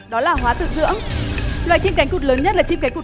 đó là hóa tự dưỡng loài chim cánh cụt lớn nhất là chim cánh cụt